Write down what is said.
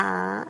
a...